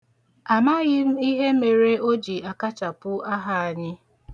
Amaghị m ihe mere o ji akachapụ aha anyị.